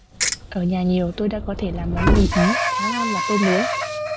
ở nhà nhiều tôi đã có thể làm món mỳ ý khá ngon và tôm nướng